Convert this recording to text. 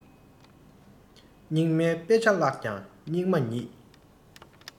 སྙིགས མའི དཔེ ཆ བཀླགས ཀྱང སྙིགས མ ཉིད